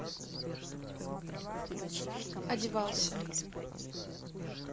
одевался